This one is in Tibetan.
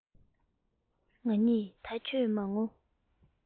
ང གཉིས ཀྱིས ད ཁྱོད མ ངུ